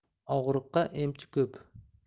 og'riqqa emchi ko'p